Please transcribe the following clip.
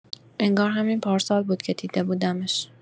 انگار همین پارسال بود که دیده بودمش.